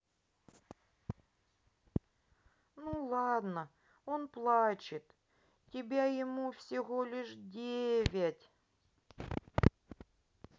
ну ладно он плачет тебя ему всего лишь девять